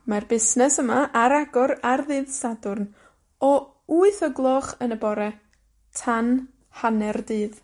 Mae'r busnes yma ar agor ar ddydd Sadwrn, o wyth o gloch yn y bore tan hanner dydd.